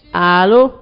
Aa